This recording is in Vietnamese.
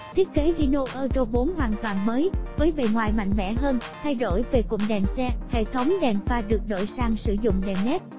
thiết kế hino euro hoàn toàn mới với bề ngoài mạnh mẽ hơn thay đổi về cụm đèn xe hệ thống đèn pha được đổi sang sử dụng đèn led